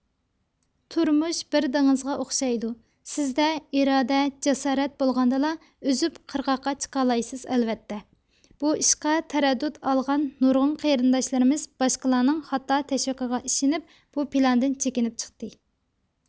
تۇرمۇش بىر دېڭىزغا ئوخشايدۇ سىزدە ئىرادە جاسارەت بولغاندىلا ئۇزۇپ قىرغاققا چىقالايسىز ئەلۋەتتە بۇ ئىشقا تەرەددۈت ئالغان نۇرغۇن قېرىنداشلىرىمىز باشقىلارنىڭ خاتا تەشۋىقىغا ئىشىنىپ بۇ پىلاندىن چىكىنىپ چىقتى